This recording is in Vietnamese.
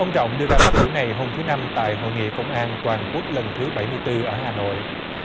ông trọng đưa ra phát biểu này hôm thứ năm tại hội nghị công an toàn quốc lần thứ bảy mươi tư ở hà nội